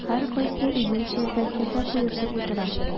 Һәркайсы үзенчә фәлсәфә куертып утыра.